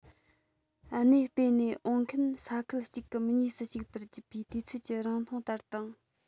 གནས སྤོས ནས འོངས མཁན ས ཁུལ གཅིག གམ གཉིས སུ ཞུགས པར བརྒྱུད པའི དུས ཚོད ཀྱི རིང ཐུང ལྟར དང